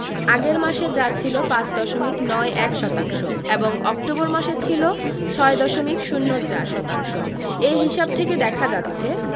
আগের মাসে যা ছিল ৫ দশমিক ৯১ শতাংশ এবং অক্টোবর মাসে ছিল ৬ দশমিক ০৪ শতাংশ এ হিসাব থেকে দেখা যাচ্ছে